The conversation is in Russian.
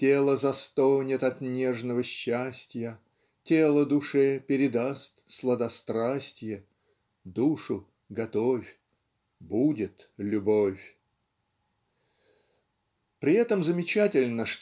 Тело застонет от нежного счастья, Тело душе передаст сладострастье. Душу готовь. Будет любовь. При этом замечательно